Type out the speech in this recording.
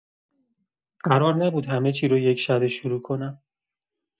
قرار نبود همه‌چی رو یک‌شبه شروع کنم.